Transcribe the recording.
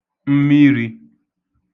mmirī